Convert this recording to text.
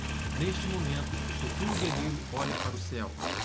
neste momento o futuro guerreiro olha para o céu